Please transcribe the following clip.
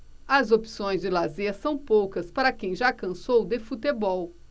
as opções de lazer são poucas para quem já cansou de futebol